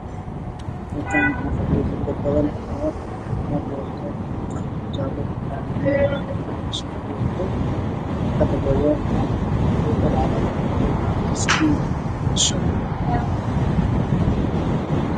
Meeshaan waxaa fadhiya gabdho farabadan oo wata xijaabo biluga iyo indhoshareer midow ah